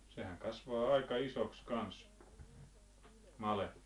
sehän kasvaa aika isoksi kanssa made